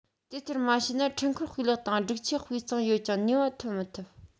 དེ ལྟར མ བྱས ན འཕྲུལ འཁོར སྤུས ལེགས དང སྒྲིག ཆས སྤུས གཙང ཡོད ཀྱང ནུས པ ཐོན མི ཐུབ